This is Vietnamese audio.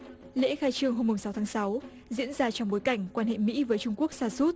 lễ khai trương hôm mùng sáu tháng sáu diễn ra trong bối cảnh quan hệ mỹ với trung quốc sa sút